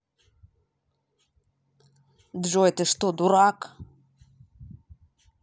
джой ты что дурак